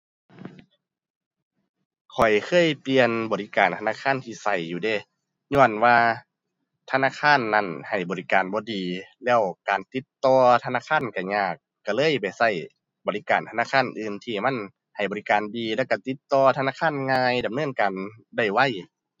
ข้อยเคยเปลี่ยนบริการธนาคารที่ใช้อยู่เดะ ญ้อนว่าธนาคารนั้นให้บริการบ่ดี แล้วการติดต่อธนาคารใช้ยาก ใช้เลยไปใช้บริการธนาคารอื่นที่มันให้บริการดี แล้วใช้ติดต่อธนาคารง่ายดำเนินการได้ไว